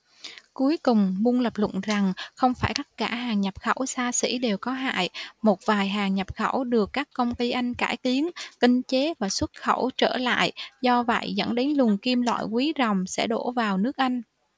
cuối cùng mun lập luận rằng không phải tất cả hàng nhập khẩu xa xỉ đều có hại một vài hàng nhập khẩu được các công ty anh cải tiến tinh chế và xuất khẩu trở lại do vậy dẫn đến luồng kim loại quý ròng sẽ đổ vào nước anh